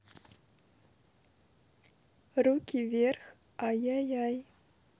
руки вверх ай яй яй